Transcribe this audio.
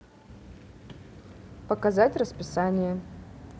показать расписание